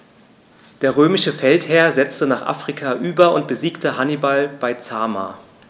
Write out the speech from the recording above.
Der römische Feldherr setzte nach Afrika über und besiegte Hannibal bei Zama.